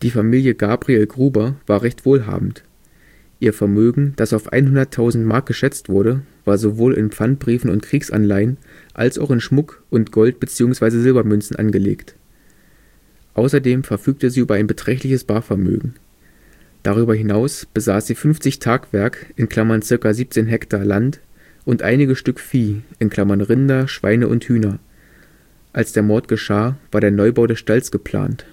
Familie Gabriel-Gruber war recht wohlhabend. Ihr Vermögen, das auf 100.000 Mark geschätzt wurde, war sowohl in Pfandbriefen und Kriegsanleihen als auch in Schmuck und Gold - bzw. Silbermünzen angelegt. Außerdem verfügte sie über ein beträchtliches Barvermögen. Darüber hinaus besaß sie 50 Tagwerk (ca. 17 Hektar) Land und einige Stück Vieh (Rinder, Schweine und Hühner). Als der Mord geschah, war der Neubau des Stalls geplant